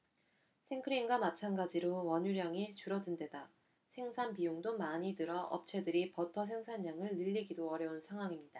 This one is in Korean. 생크림과 마찬가지로 원유량이 줄어든데다 생산 비용도 많이 들어 업체들이 버터 생산량을 늘리기도 어려운 상황입니다